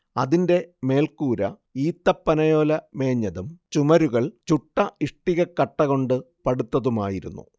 അതിന്റെ മേൽക്കൂര ഈത്തപ്പനയോല മേഞ്ഞതും ചുമരുകൾ ചുട്ട ഇഷ്ടികക്കട്ട കൊണ്ട് പടുത്തതുമായിരുന്നു